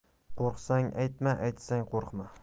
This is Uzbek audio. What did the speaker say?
qo'rqsang aytma aytsang qo'rqma